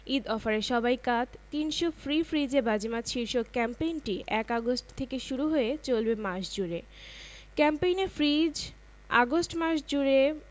এরপর উত্তর হাওয়া তার সব শক্তি দিয়ে বইতে শুরু করে কিন্তু সে যতই জোড়ে বয় পথিক তার চাদর চেপে ধরে রাখে ব্যর্থ হয়ে হাওয়া তার চেষ্টা বন্ধ করে এর পর সূর্যের পালা